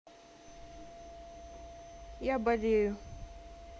я болею